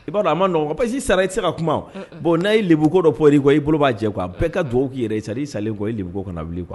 I b'a dɔn a ma nɔgɔn parce que i sara i tɛ se ka kuma o bon n'i lebu ko dɔ fɔr'i kɔ i bolo b'a jɛ quoi bɛɛ ka duaawu k'i yɛrɛ ye _c'est à dire i salen kɔ i lebuko dɔ kana wuli quoi .